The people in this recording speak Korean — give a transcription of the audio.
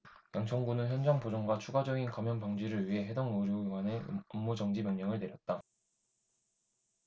양천구는 현장 보존과 추가적인 감염 방지를 위해 해당 의료기관에 업무정지 명령을 내렸다